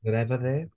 It ever there?